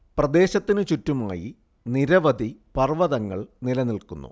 പ്രദേശത്തിന് ചുറ്റുമായി നിരവധി പർവതങ്ങൾ നിലനിൽക്കുന്നു